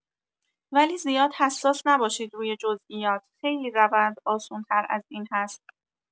ولی زیاد حساس نباشید روی جزئیات، خیلی روند آسون‌تر از این هست.